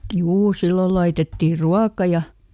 juu silloin laitettiin ruokaa ja